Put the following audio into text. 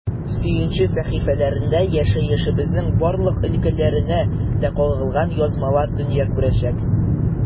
“сөенче” сәхифәләрендә яшәешебезнең барлык өлкәләренә дә кагылган язмалар дөнья күрәчәк.